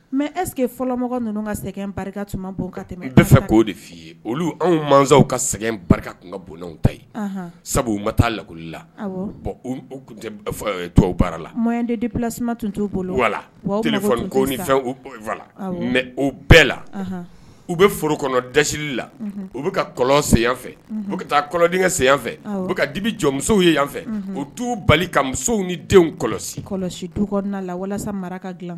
Mɛ ɛssekeke fɔlɔ ninnu ka sɛgɛn tɛmɛ bɛɛ fɛ k'o de f' i ye olu anw masazɔnw ka sɛgɛn barika ka bonw ta ye sabu ma taa lakɔli la bɔn la dela tun t' bolo wala ni fɛn mɛ o bɛɛ la u bɛ foro kɔnɔ dasi la u bɛ ka kɔlɔn sen fɛ u ka taa kɔlɔnden sen yan fɛ u bɛ ka dibi jɔmuso ye yan fɛ u t'u bali ka musow ni denw kɔlɔsi kɔlɔsi duk la walasa maraka dilan